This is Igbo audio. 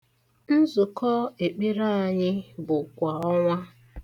Nzụkọ ekpere anyị bụ kwa ọnwa.